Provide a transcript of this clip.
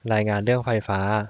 รายงานเรื่องไฟฟ้า